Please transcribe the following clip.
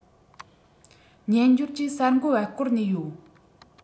སྨྱན སྦྱོར གྱི གསར འགོད པ བསྐོར ནས ཡོད